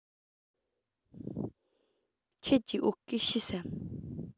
ཁྱེད ཀྱིས བོད སྐད ཤེས སམ